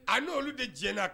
A n' oluolu de diɲɛna